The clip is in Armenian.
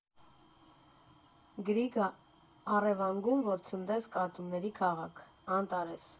Գրիգ «Առևանգում, որ ցնցեց կատուների քաղաքը», Անտարես։